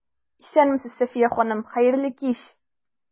Исәнмесез, Сафия ханым, хәерле кич!